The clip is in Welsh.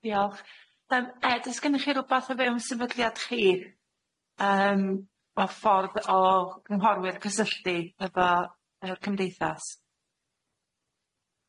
Diolch. Yym Ed o's gennych chi rwbath efo ymsefydliad chi, yym o ffordd o nghorwyr cysylltu efo yy cymdeithas?